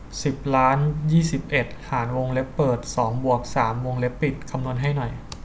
สิบล้านยี่สิบเอ็ดหารวงเล็บเปิดสองบวกสามวงเล็บปิดคำนวณให้หน่อย